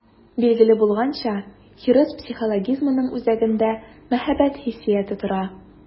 Билгеле булганча, хирыс психологизмының үзәгендә мәхәббәт хиссияте тора.